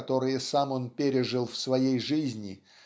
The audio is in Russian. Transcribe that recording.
которые сам он пережил в своей жизни